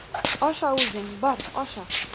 Аша үзең, бар, аша!